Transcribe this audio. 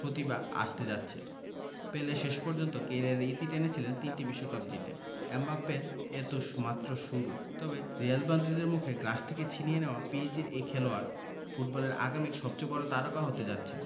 প্রতিভা আসতে যাচ্ছে পেলে শেষ পর্যন্ত ক্যারিয়ারের ইতি টেনেছিলেন তিনটি বিশ্বকাপ জিতে এমবাপ্পের এ তো মাত্র শুরু তবে রিয়াল মাদ্রিদের মুখে গ্রাস থেকে ছিনিয়ে নেওয়া পিএসজির এই খেলোয়াড় ফুটবলে আগামীর সবচেয়ে বড় তারকা হতে যাচ্ছেন